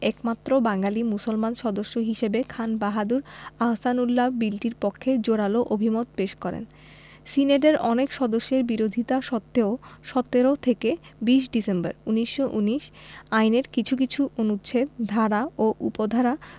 একমাত্র বাঙালি মুসলমান সদস্য হিসেবে খান বাহাদুর আহসানউল্লাহ বিলটির পক্ষে জোরালো অভিমত পেশ করেন সিনেটের অনেক সদস্যের বিরোধিতা সত্ত্বেও ১৭ থেকে ২০ ডিসেম্বর ১৯১৯ আইনের কিছু কিছু অনুচ্ছেদ ধারা ও উপধারা